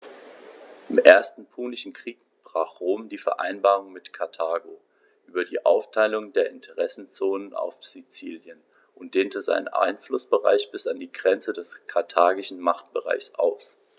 Im Ersten Punischen Krieg brach Rom die Vereinbarung mit Karthago über die Aufteilung der Interessenzonen auf Sizilien und dehnte seinen Einflussbereich bis an die Grenze des karthagischen Machtbereichs aus.